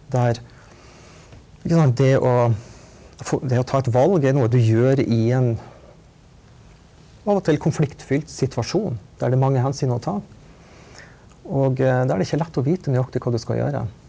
det her ikke sant det å det å ta et valg er noe du gjør i en av og til konfliktfylt situasjon der det er mange hensyn å ta og der det ikke er lett å vite nøyaktig hva du skal gjøre.